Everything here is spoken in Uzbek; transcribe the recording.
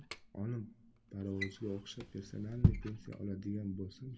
olim parovozga o'xshab persanalniy pensa oladigan bo'lsam